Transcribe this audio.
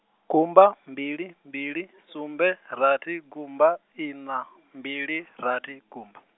gumba mbili mbili sumbe rathi gumba ina mbili rathi gumba.